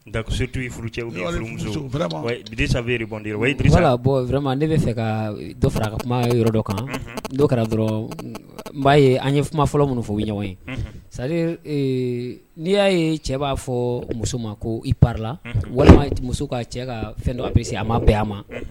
Furu cɛsa ka bɔ wɛrɛma ne bɛ fɛ ka dɔ fara ka kuma yɔrɔ dɔ kan n kɛra dɔrɔn n'a ye an ye fɔlɔ minnu fɔ ɲɔgɔn ye n'i y'a ye cɛ b'a fɔ muso ma ko i pala walima muso ka cɛ ka fɛn dɔ a ma bɛɛ a ma